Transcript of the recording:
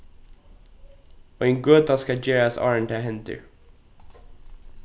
ein gøta skal gerast áðrenn tað hendir